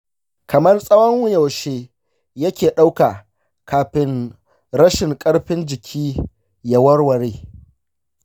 kamar tsawon yaushe ya ke ɗauka kafin rashin ƙarfin-jikin ya warware?